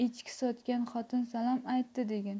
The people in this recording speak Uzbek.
echki sotgan xotin salom aytdi degin